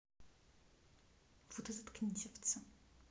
вот и заткнись овца